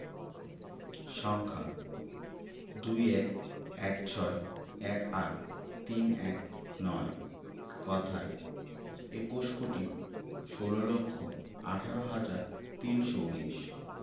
সংখ্যাঃ ২১ ১৬ ১৮ ৩১৯ কথায়ঃ একুশ কোটি ষোল লক্ষ আঠারো হাজার তিনশো উনিশ